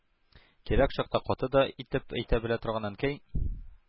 Кирәк чакта каты да итеп әйтә белә торган Әнкәй